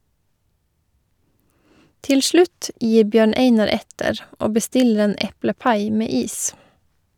Til slutt gir Bjørn Einar etter og bestiller en eplepai med is.